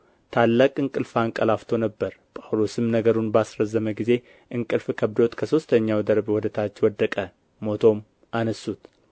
ታላቅ እንቅልፍ አንቀላፍቶ ነበር ጳውሎስም ነገርን ባስረዘመ ጊዜ እንቅልፍ ከብዶት ከሦስተኛው ደርብ ወደ ታች ወደቀ ሞቶም አነሡት